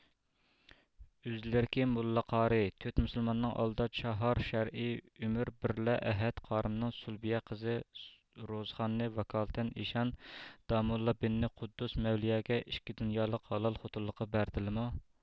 ئۆزلىرىكى موللا قارىي تۆت مۇسۇلماننىڭ ئالدىدا چاھار شەرئى ئۆمۈر بىرلە ئەھەت قارىمنىڭ سۇلبىيە قىزى روزىخاننى ۋاكالىتەن ئىشان داموللا بىننى قۇددۇس مەۋلىيەگە ئىككى دۇنيالىق ھالال خوتۇنلۇققا بەردىلىمۇ